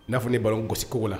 N'a fɔ ne baro gosiko la